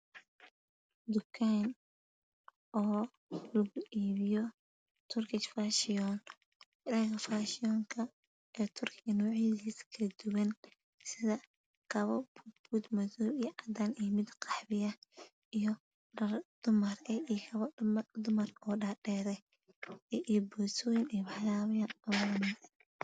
Dukaan oo dharka iibiyo eeturkina sida kabi iyo dhar dumar oo dhasrr